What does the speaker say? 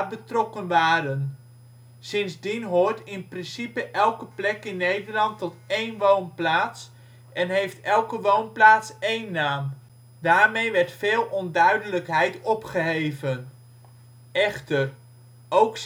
betrokken waren. Sindsdien hoort (in principe) elke plek in Nederland tot één woonplaats en heeft elke woonplaats één naam. Daarmee werd veel onduidelijkheid opgeheven. Echter, ook